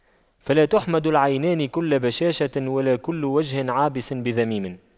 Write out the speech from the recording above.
فما تحمد العينان كل بشاشة ولا كل وجه عابس بذميم